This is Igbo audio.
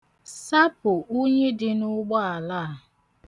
Sapụ unyi dị n'ụgbaala a.